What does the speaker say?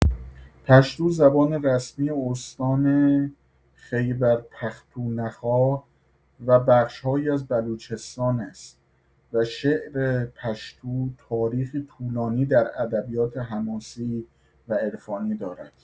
پشتو زبان رسمی استان خیبرپختونخوا و بخش‌هایی از بلوچستان است و شعر پشتو تاریخی طولانی در ادبیات حماسی و عرفانی دارد.